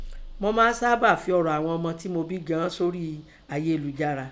Mo máa ń sábà fi ọ̀rọ̀ ìghọn ọmọ tí mo bí gan an sórí ayélujára.